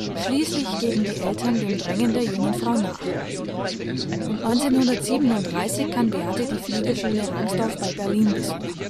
Schließlich geben die Eltern dem Drängen der jungen Frau nach und 1937 kann Beate die Fliegerschule Rangsdorf bei Berlin besuchen